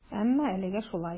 Әмма әлегә шулай.